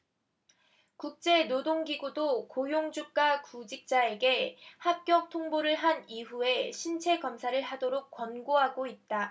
국제노동기구도 고용주가 구직자에게 합격 통보를 한 이후에 신체검사를 하도록 권고하고 있다